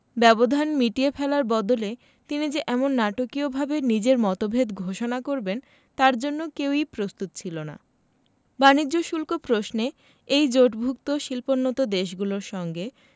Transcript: ব্যবধান মিটিয়ে ফেলার বদলে তিনি যে এমন নাটকীয়ভাবে নিজের মতভেদ ঘোষণা করবেন তার জন্য কেউই প্রস্তুত ছিল না বাণিজ্য শুল্ক প্রশ্নে এই জোটভুক্ত শিল্পোন্নত দেশগুলোর সঙ্গে